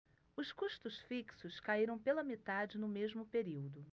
os custos fixos caíram pela metade no mesmo período